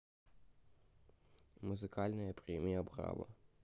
музыкальная премия браво